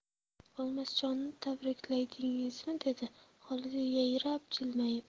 o'lmasjonni tabrikladingizmi dedi xolidiy yayrab jilmayib